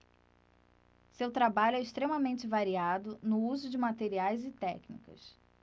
seu trabalho é extremamente variado no uso de materiais e técnicas